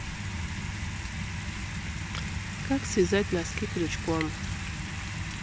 как связать носки крючком